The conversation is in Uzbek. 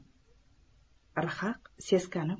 rhaq seskanib